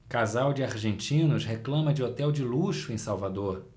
casal de argentinos reclama de hotel de luxo em salvador